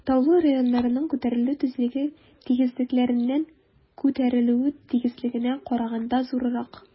Таулы районнарның күтәрелү тизлеге тигезлекләрнең күтәрелү тизлегенә караганда зуррак.